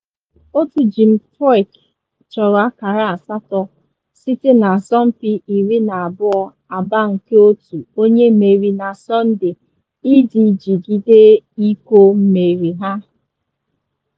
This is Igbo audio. Otu Jim Furyk chọrọ akara asatọ site na asompi 12 agba nke otu onye mere na Sọnde iji jigide iko mmeri ha.